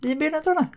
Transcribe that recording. Un bennod o' 'na?